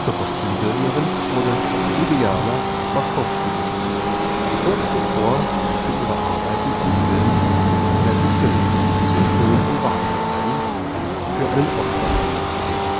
Kostümbildnerin wurde Judianna Makovsky bestimmt, die kurz zuvor für ihre Arbeiten am Film Pleasantville – Zu schön, um wahr zu sein für einen Oscar nominiert gewesen